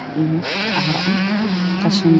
yahay madow qaxwi